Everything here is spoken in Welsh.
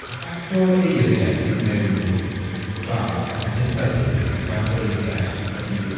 Faint o eiriau sydd mewn drama, yn tip- fel typically faint o eiriau ydi...